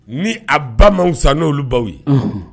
Ni a ba manfusa n'olu baw ye, ɔnhɔn.